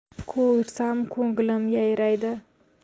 ko'rsam ko'nglim yayraydi